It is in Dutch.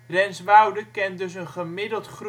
Renswoude kent dus een gemiddeld